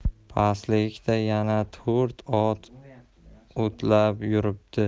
pastlikda yana to'rt ot o'tlab yuribdi